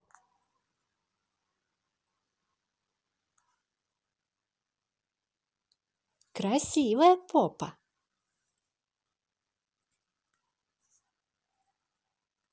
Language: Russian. красивая попа